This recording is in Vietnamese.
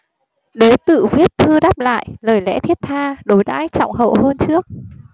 đế tự viết thư đáp lại lời lẽ thiết tha đối đãi trọng hậu hơn trước